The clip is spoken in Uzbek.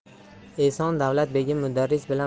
eson davlat begim mudarris bilan